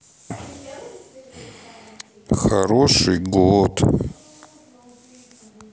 хороший год